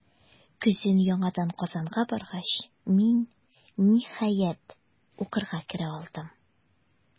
Көзен яңадан Казанга баргач, мин, ниһаять, укырга керә алдым.